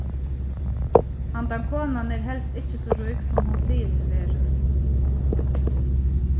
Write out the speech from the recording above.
handan konan er helst ikki so rík sum hon sigur seg vera